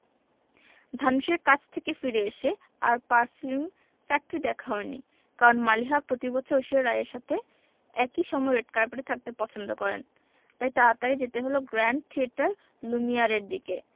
ধানুশের কাছে থেকে ফিরে এসে আর পারফিউম ফ্যাক্টরি দেখা হয়নি কারণ মালিহা প্রতিবছর ঐশ্বরিয়া রাই এর সাথে একই সময়ে রেড কার্পেটে থাকতে পছন্দ করেন তাই তাড়াতাড়ি যেতে হলো গ্র্যান্ড থিয়েটার লুমিয়ারের দিকে